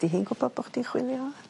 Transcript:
'di hi'n gwbo bo' chdi'n chwilio?